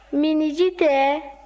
minniji tɛ